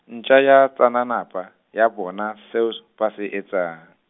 ntja ya, tsananapa, ya bona seo s-, ba se etsang.